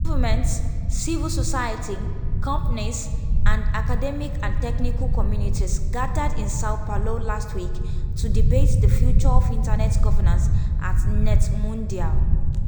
Governments, civil society, companies, and academic and technical communities gathered in Sao Paulo last week to debate the future of Internet governance at NETmundial.